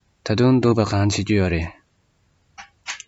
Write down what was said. ད དུང སྡུག པ གང བྱེད ཀྱི ཡོད རས